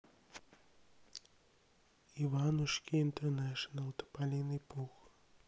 иванушки интернешнл тополиный пух